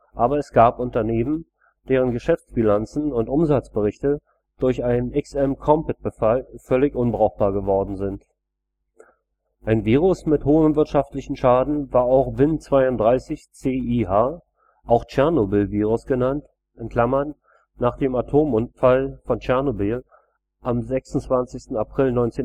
aber es gab Fälle von Unternehmen, deren Geschäftsbilanzen und Umsatzberichte durch einen XM/Compat-Befall völlig unbrauchbar geworden sind. Ein Virus mit hohem wirtschaftlichen Schaden war auch Win32.CIH, auch „ Tschernobyl-Virus “genannt (nach dem Atomunfall von Tschernobyl vom 26. April 1986